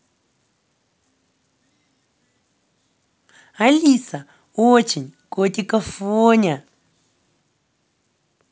алиса очень котик афоня